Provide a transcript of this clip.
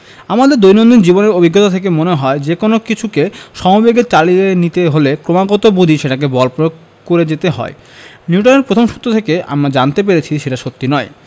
আমাদের দৈনন্দিন জীবনের অভিজ্ঞতা থেকে মনে হয় যেকোনো কিছুকে সমবেগে চালিয়ে নিতে হলে ক্রমাগত বুঝি সেটাতে বল প্রয়োগ করে যেতে হয় নিউটনের প্রথম সূত্র থেকে আমরা জানতে পেরেছি সেটা সত্যি নয়